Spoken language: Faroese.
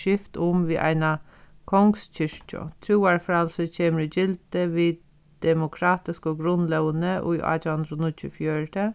skift um við eina kongskirkju trúarfrælsi kemur í gildi við demokratisku grundlógini í átjan hundrað og níggjuogfjøruti